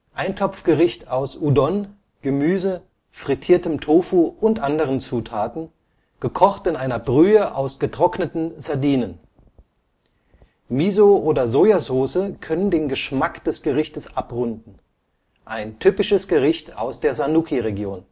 Eintopfgericht aus Udon, Gemüse, frittiertem Tofu und anderen Zutaten, gekocht in einer Brühe aus getrockneten Sardinen. Miso oder Sojasauce können den Geschmack des Gerichtes abrunden. Ein typisches Gericht aus der Sanuki-Region